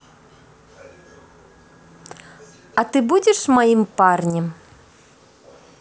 а ты будешь моим парнем